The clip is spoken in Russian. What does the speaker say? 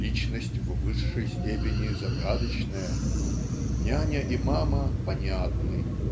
личность в высшей степени загадочная! Няня и мама понятны